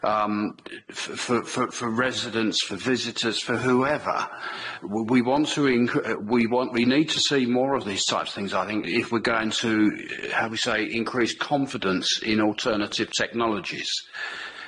Yym ff- ff- ff- for residents for visitors for whoever, we want to incre- we want we need to see more of these types of things I think if we're going to how we say increase confidence in alternative technologies.